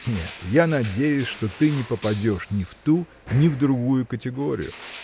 нет, я надеюсь, что ты не попадешь ни в ту, ни в другую категорию.